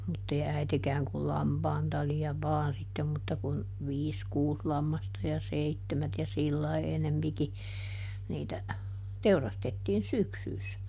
mutta ei äitikään kuin lampaan talia vain sitten mutta kun viisi kuusi lammasta ja seitsemät ja sillä lailla enempikin niitä teurastettiin syksyssä